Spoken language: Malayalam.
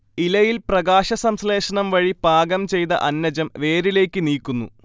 ഇലയിൽ പ്രകാശസംശ്ലേഷണം വഴി പാകം ചെയ്ത അന്നജം വേരിലേക്ക് നീക്കുന്നു